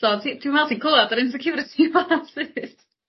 so dwi dwi me'l t'n clŵad yr insecurity fan 'na